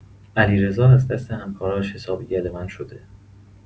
علیرضا از دست همکاراش حسابی گله‌مند شده.